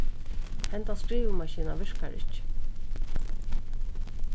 hendan skrivimaskinan virkar ikki